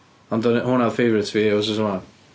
Ond o'n... hwnna oedd favourite fi wythnos yma.